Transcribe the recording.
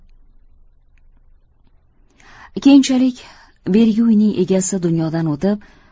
keyinchalik berigi uyning egasi dunyodan o'tib